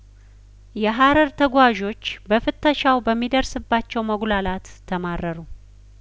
የሀረር ተጓዦች በፍተሻው በሚደርስባቸው መጉላላት ተማረሩ